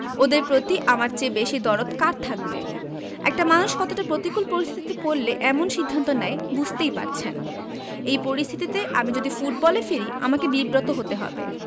ওদের প্রতি আমার চেয়ে বেশি দরদ কার থাকবে একটা মানুষ কতটা প্রতিকূল পরিস্থিতিতে পড়লে এমন সিদ্ধান্ত নেয় বুঝতেই পারছেন এই পরিস্থিতিতে আমি যদি ফুটবলে ফিরি আমাকে বিব্রত হতে হবে